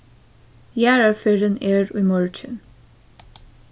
jarðarferðin er í morgin